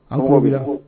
An tulo bila